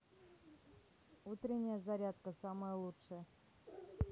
утренняя зарядка самая лучшая